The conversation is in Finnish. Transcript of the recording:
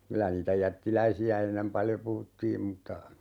kyllä niitä jättiläisiä ennen paljon puhuttiin mutta